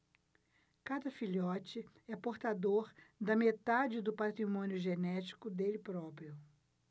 cada filhote é portador da metade do patrimônio genético dele próprio